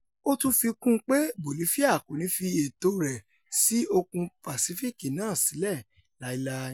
ó tun fi kún un pe Bolifia kòní fi ẹ̀tọ́ rẹ̀ sí Òkun Pàsífíìkì náà sílẹ̀ láíláí’.